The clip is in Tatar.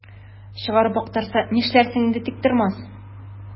Чыгарып актарса, нишләрсең инде, Тиктормас?